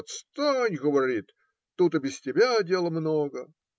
"Отстань, говорит, тут и без тебя дела много".